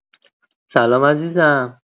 سلام عزیزم.